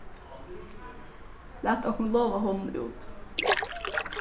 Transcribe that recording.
lat okkum lova honum út